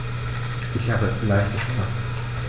Ich habe leichte Schmerzen.